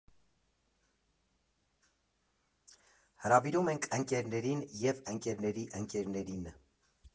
Հրավիրում ենք ընկերներին և ընկերների ընկերներին։